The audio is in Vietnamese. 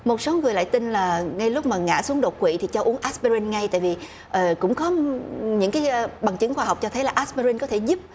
một số người lại tin là ngay lúc mà ngã xuống đột quỵ thì cho uống át sờ pi rin ngay tại vì ai cũng có những bằng chứng khoa học cho thấy là át sờ pi rin có thể giúp